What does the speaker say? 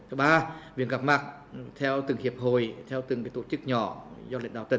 thứ ba việc gặp mặt theo từng hiệp hội theo từng tổ chức nhỏ do lãnh đạo tỉnh